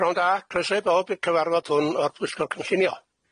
P'nawn da croeso i bob i'r cyfarfod hwn o'r pwyllgol cymllinio.